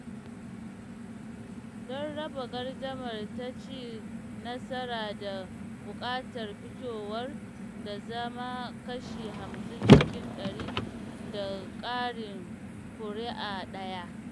Don raba gardamar ta ci nasara da buƙatar fitowar ta zama kashi 50 cikin ɗari da ƙarin kuri’a ɗaya.